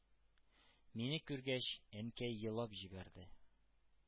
Мине күргәч, Әнкәй елап җибәрде,